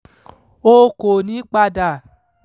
O kò ní padà!'